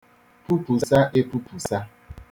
pupusā epupusa